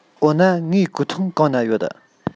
འོ ན ངའི གོས ཐུང གང ན ཡོད